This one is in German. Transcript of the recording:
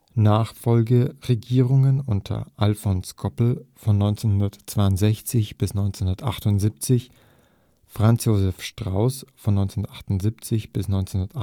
Nachfolgeregierungen unter Alfons Goppel von 1962 bis 1978, Franz Josef Strauß von 1978 bis 1988